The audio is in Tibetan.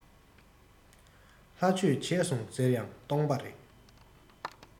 ལྷ ཆོས བྱས སོང ཟེར ཡང སྟོང པ རེད